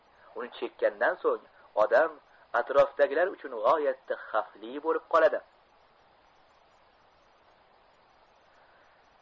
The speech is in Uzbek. uin chekkandan so'ng odam atrofdagilar uchun g'oyatda xavfli bo'lib qoladi